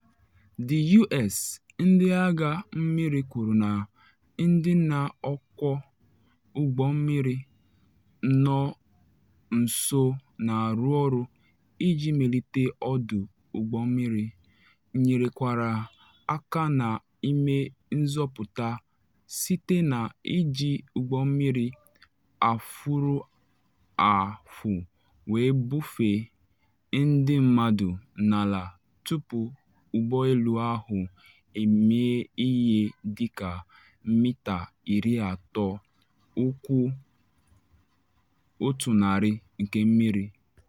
The U.S. Ndị agha mmiri kwuru na ndị na ọkwọ ụgbọ mmiri nọ nso na arụ ọrụ iji melite ọdụ ụgbọ mmiri nyerekwara aka na ịme nzọpụta site na iji ụgbọ mmiri afụrụafụ wee bufee ndị mmadụ n’ala tupu ụgbọ elu ahụ emie ihe dị ka mita 30 (ụkwụ 100) nke mmiri.